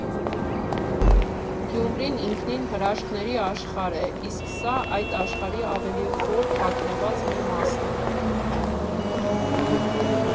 Գյումրին ինքնին հրաշքների աշխարհ է, իսկ սա այդ աշխարհի ավելի խոր թաքնված մի մասն է։